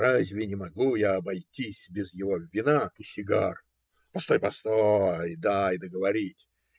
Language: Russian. Разве не могу я обойтись без его вина и сигар?" Постой, постой, дай договорить!